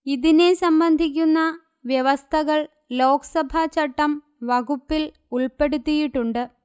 ഇതിനെ സംബന്ധിക്കുന്ന വ്യവസ്ഥകൾ ലോക്സഭാചട്ടം വകുപ്പിൽ ഉൾപ്പെടുത്തിയിട്ടുണ്ട്